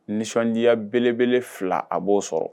Nisɔndiyaya belebele fila a b'o sɔrɔ